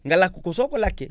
nga lakk ko soo ko lakkee